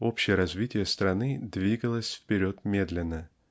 общее развитие страны двигалось вперед медленно.